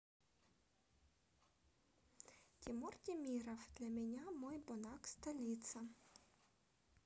тимур темиров для меня мой бунак столица